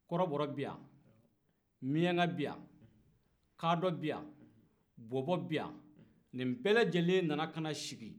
kɔrɔbɔrɔ bɛ yan miyanka bɛ yan kadɔ bɛ yan bɔbɔ bɛ yan nin bɛɛ lajɛlen nana ka na sigi